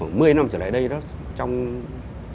khoảng mười năm trở lại đây đó trong